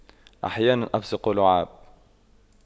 أحيانا ابصق لعاب